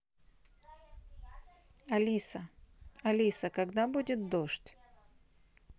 алиса алиса когда будет дождь